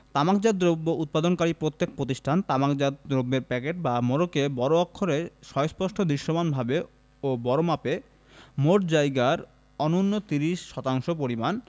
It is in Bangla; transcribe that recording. তামাকজাত দ্রব্য উৎপাদনকারী প্রত্যক প্রতিষ্ঠান তামাকজাত দ্রব্যের প্যাকেট বা মোড়কে বড় অক্ষরে স্পষ্টত দৃশ্যমানভাবে ও বড়মাপে মোট জায়গার অন্যূন ৩০% শতাংশ পরিমাণ